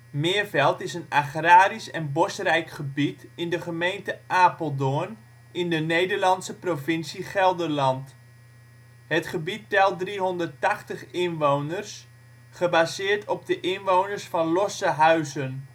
Meerveld is een agrarisch/bosrijk gebied in de gemeente Apeldoorn, in de Nederlandse provincie Gelderland. Het gebied telt 380 inwoners, gebaseerd op de inwoners van losse huizen